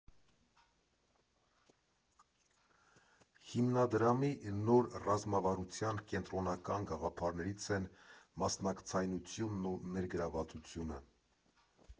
Հիմնադրամի նոր ռազմավարության կենտրոնական գաղափարներից են մասնակցայնությունն ու ներգրավածությունը։